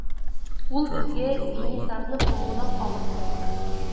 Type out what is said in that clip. Ул безгә Винитарны богаулап алып кайтыр.